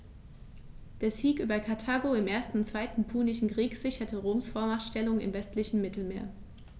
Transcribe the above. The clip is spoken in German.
Der Sieg über Karthago im 1. und 2. Punischen Krieg sicherte Roms Vormachtstellung im westlichen Mittelmeer.